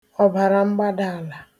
ọ̀bàràmgbadààlà